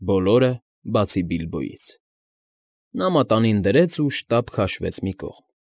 Բոլորը, բացի Բիլբոյից։ Նա մատանին դրեց ու շտապ քաշվեց մի կողմ։